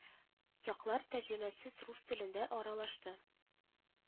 Яклар тәрҗемәсез рус телендә аралашты